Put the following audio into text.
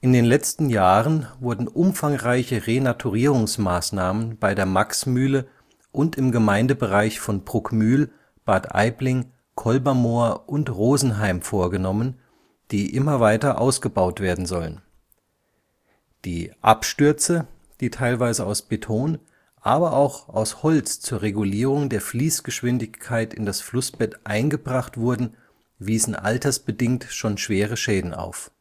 den letzten Jahren wurden umfangreiche Renaturierungsmaßnahmen bei der Maxmühle und im Gemeindebereich von Bruckmühl, Bad Aibling, Kolbermoor und Rosenheim vorgenommen, die immer weiter ausgebaut werden sollen. Die „ Abstürze “, die teilweise aus Beton, aber auch aus Holz zur Regulierung der Fließgeschwindigkeit in das Flussbett eingebracht wurden, wiesen altersbedingt schon schwere Schäden auf